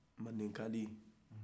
mande ka di